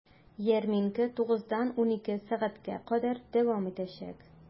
Ярминкә 9 дан 12 сәгатькә кадәр дәвам итәчәк.